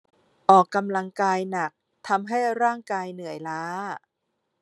ออกกำลังกายหนักทำให้ร่างกายเหนื่อยล้า